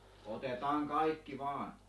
otetaan kaikki vain